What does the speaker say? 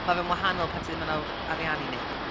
Ma' fe'n wahanol pan ti ddim yn awr- ariannu neb.